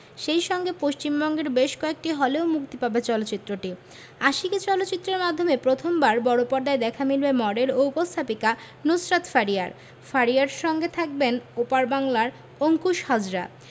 সেই সঙ্গে পশ্চিমবঙ্গের বেশ কয়েকটি হলেও মুক্তি পাবে চলচ্চিত্রটি আশিকী চলচ্চিত্রের মাধ্যমে প্রথমবার বড়পর্দায় দেখা মিলবে মডেল ও উপস্থাপিকা নুসরাত ফারিয়ার ফারিয়ার সঙ্গে থাকবেন ওপার বাংলার অংকুশ হাজরা